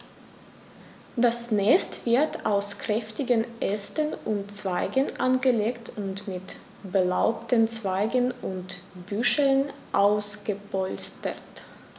Das Nest wird aus kräftigen Ästen und Zweigen angelegt und mit belaubten Zweigen und Büscheln ausgepolstert.